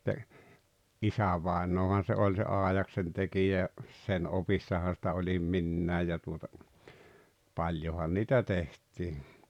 että isävainajahan se oli se aidaksentekijä ja sen opissahan sitä olin minäkin ja tuota paljonhan niitä tehtiin